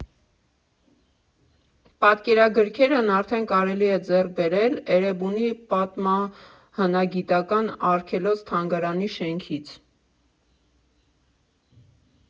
Պատկերագրքերն արդեն կարելի է ձեռք բերել Էրեբունի պատմահնագիտական արգելոց֊թանգարանի շենքից։